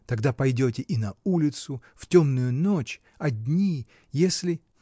Тогда пойдете и на улицу, в темную ночь, одни. если.